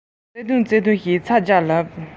བརྩེ དུང བརྩེ དུང